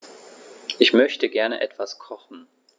Ich möchte gerne etwas kochen.